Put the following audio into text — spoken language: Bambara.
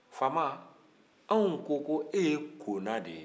faama anw ko k'e ye kona de ye